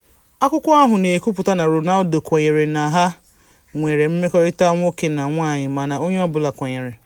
Akwụkwọ ahụ na-ekwuputa na Ronaldo kwenyere na ha nwere mmekọrịta nwoke na nwanyị mana onye ọ bụla kwenyere.